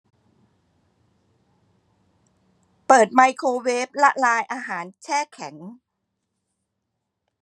เปิดไมโครเวฟละลายอาหารแช่แข็ง